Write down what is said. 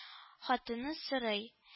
Хатыны сорый: